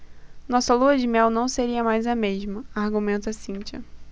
nossa lua-de-mel não seria mais a mesma argumenta cíntia